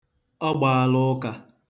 Ọ gbaala ụka.